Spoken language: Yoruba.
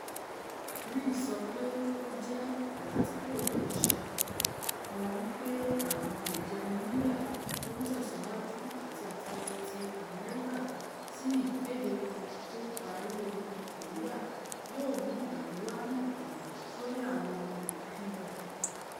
Ri sọ pé ó jẹ́ ''àlá tí kò leè ṣẹ'' kan wí pé àwọn ìjẹniníyà tó ńtẹ̀síwájú àti àtakò ti U.S. sí ìkéde kan tó ńparí Ogun Kòríà yóò mú Àríwá náà wá sórí àwọn orúnkún rẹ̀.